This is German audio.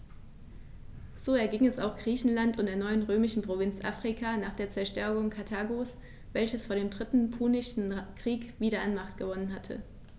So erging es auch Griechenland und der neuen römischen Provinz Afrika nach der Zerstörung Karthagos, welches vor dem Dritten Punischen Krieg wieder an Macht gewonnen hatte.